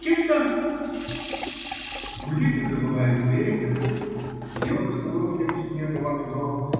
"Никита!" Гудит и завывает ветер, бьет хлопьями снега в окно.